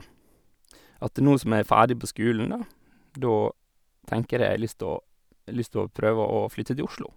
At nå som jeg ferdig på skolen, da, da tenker jeg jeg har lyst å lyst å prøve å flytte til Oslo.